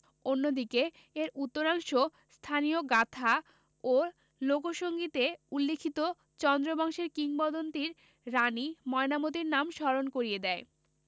অন্যদিকে এর উত্তরাংশ স্থানীয় গাঁথা ও লোকসংগীতে উল্লিখিত চন্দ্রবংশের কিংবদন্তীর রানী ময়নামতীর নাম স্মরণ করিয়ে দেয়